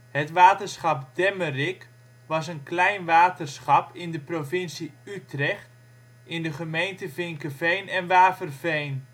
Het waterschap Demmerik was een klein waterschap in de provincie Utrecht in de gemeente Vinkeveen en Waverveen